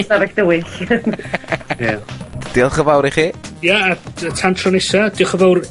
'Stafell dywyll. <chwerthin) Ia. Diolch yn fawr i chi. Ia a ty- tan tro nesa diolch yn fowr